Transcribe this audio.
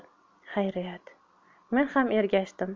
xayriyat men ham ergashdim